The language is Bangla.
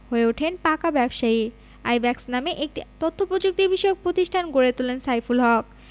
হয়ে ওঠেন পাকা ব্যবসায়ী আইব্যাকস নামে একটি তথ্যপ্রযুক্তিবিষয়ক প্রতিষ্ঠান গড়ে তোলেন সাইফুল হক